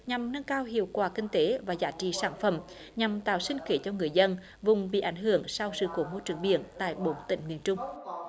nhằm nâng cao hiệu quả kinh tế và giá trị sản phẩm nhằm tạo sinh kế cho người dân vùng bị ảnh hưởng sau sự cố môi trường biển tại bốn tỉnh miền trung